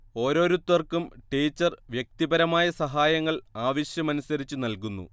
ഓരോരുത്തർക്കും ടീച്ചർ വ്യക്തിപരമായ സഹായങ്ങൾ ആവശ്യമനുസരിച്ച് നൽകുന്നു